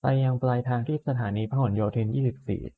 ไปยังปลายทางที่สถานีพหลโยธินยี่สิบสี่